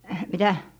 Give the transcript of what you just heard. mitä